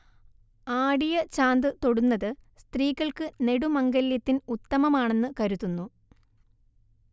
ആടിയ ചാന്ത് തൊടുന്നത് സ്ത്രീകൾക്ക് നെടുമംഗല്യത്തിൻ ഉത്തമമാണെന്ന് കരുതുന്നു